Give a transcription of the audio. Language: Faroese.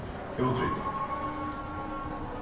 útrita